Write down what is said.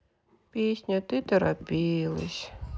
песня ты поторопись